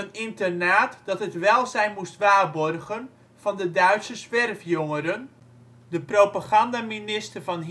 internaat dat het welzijn moest waarborgen van de Duitse zwerfjongeren (de propagandaminister van